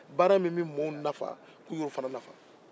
baara min bɛ mɔgɔw nafa k'u yɛrɛw nafa